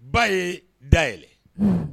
Ba ye da yɛlɛ